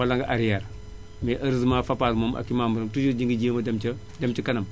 wala nga arrière mais heureusement Fapal moom ak i membre am toujours ñi ngi jéem a dem ca dem ca kanam